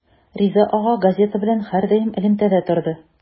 Риза ага газета белән һәрдаим элемтәдә торды.